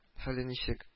— хәле ничек